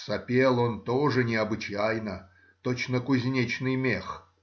Сопел он тоже необычайно, точно кузнечный мех.